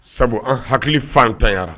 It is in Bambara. Sabu an hakili fantanyara